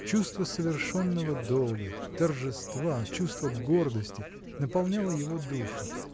Чувство совершенного долга, торжества, чувство гордости наполняло его душу